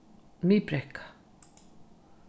miðbrekka